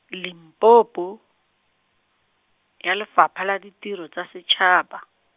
Limpopo, ya Lefapha la Ditiro tsa Setšhaba.